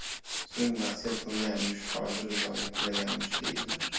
so'ng vasiyat qilganmish rozi rizolik tilaganmish deydilar